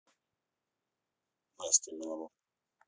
настя меломур